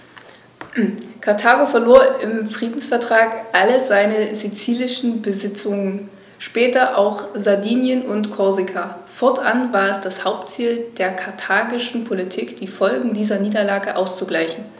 Karthago verlor im Friedensvertrag alle seine sizilischen Besitzungen (später auch Sardinien und Korsika); fortan war es das Hauptziel der karthagischen Politik, die Folgen dieser Niederlage auszugleichen.